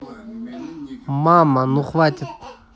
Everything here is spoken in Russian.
мама ну хватит